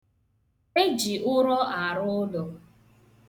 Eji ụrọ arụ ụlọ.